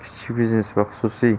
kichik biznes va xususiy